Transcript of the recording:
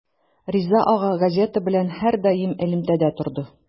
Риза ага газета белән һәрдаим элемтәдә торды.